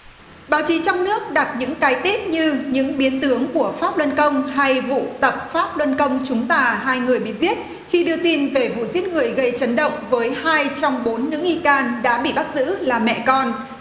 báo chí trong nước đặt những cái tít như những biến tướng của pháp luân công hay vụ tập pháp luân công chúng tà hai người bị giết khi đưa tin về vụ giết người gây chấn động với hai trong bốn nữ nghi can đã bị bắt giữ là mẹ con